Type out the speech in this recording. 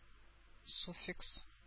Суффикс